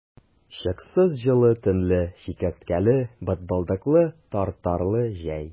Чыксыз җылы төнле, чикерткәле, бытбылдыклы, тартарлы җәй!